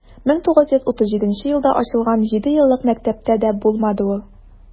1937 елда ачылган җидееллык мәктәптә дә булмады ул.